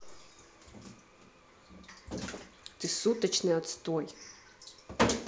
ты суточный отстой